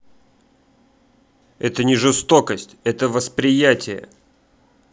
это не жестокость это восприятие